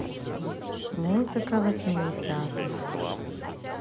музыка восьмидесятых